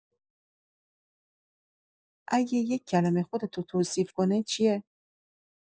اگه یه کلمه خودتو توصیف کنه، چیه؟